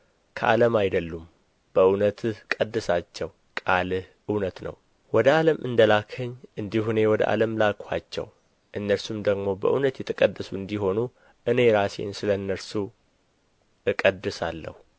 ከዓለም አይደሉም በእውነትህ ቀድሳቸው ቃልህ እውነት ነው ወደ ዓለም እንደ ላክኸኝ እንዲሁ እኔ ወደ ዓለም ላክኋቸው እነርሱም ደግሞ በእውነት የተቀደሱ እንዲሆኑ እኔ ራሴን ስለ እነርሱ እቀድሳለሁ